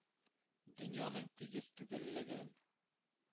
Дөньяның тигез түгеллеген,